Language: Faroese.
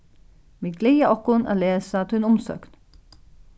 vit gleða okkum at lesa tína umsókn